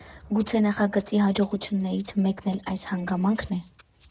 Գուցե նախագծի հաջողություններից մեկն էլ այս հանգամանքն է։